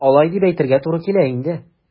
Алай дип әйтергә туры килә инде.